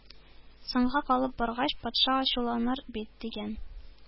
Соңга калып баргач, патша ачуланыр бит! — дигән.